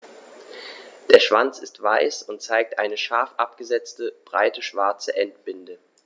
Der Schwanz ist weiß und zeigt eine scharf abgesetzte, breite schwarze Endbinde.